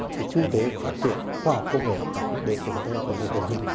xu thế phát triển khoa học công nghệ để chúng tôi có thể hội nhập